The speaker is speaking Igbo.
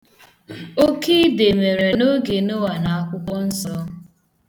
Oke ide mere n'oge Noa n'akwụkwo nsọ.